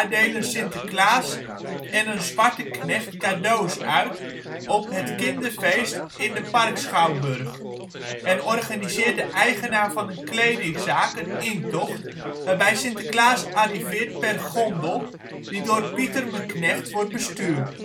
delen Sinterklaas en een zwarte knecht cadeaus uit op " Het kinderfeest in den Parkschouwburg " en organiseert de eigenaar van een kledingzaak een intocht, waarbij Sinterklaas arriveert per gondel die door Pieter-me-knecht wordt bestuurd